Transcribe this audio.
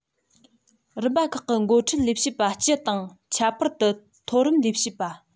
རིམ པ ཁག གི འགོ ཁྲིད ལས བྱེད པ སྤྱི དང ཁྱད པར དུ མཐོ རིམ ལས བྱེད པ